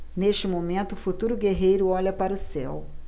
neste momento o futuro guerreiro olha para o céu